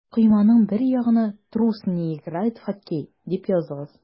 Койманың бер ягына «Трус не играет в хоккей» дип языгыз.